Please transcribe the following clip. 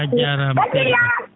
a jaaraama seydi Ba